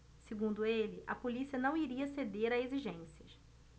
segundo ele a polícia não iria ceder a exigências